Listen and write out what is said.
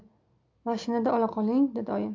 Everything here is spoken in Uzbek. mashinada ola qoling dedi oyim